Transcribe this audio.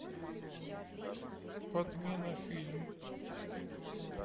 подмена фильм